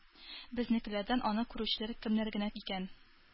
Безнекеләрдән аны күрүчеләр кемнәр генә икән?